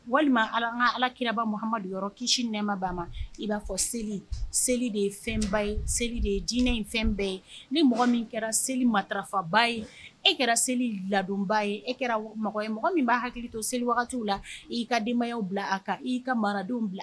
Walima an ka alakiraba mamadu kisi nɛma ban ma i b'a fɔ seli seli de ye fɛn ba ye seli de ye dinɛ in fɛn bɛɛ ye ne mɔgɔ min kɛra seli marafaba ye e kɛra seli ladonba ye e kɛra mɔgɔ min b' hakili to seli wagatiw la i ka denbayayaw bila a kan i ka maradenw bila